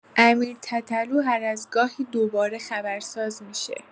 امیر تتلو هر از گاهی دوباره خبرساز می‌شه.